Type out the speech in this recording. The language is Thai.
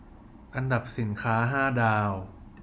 อันดับสินค้าห้าดาว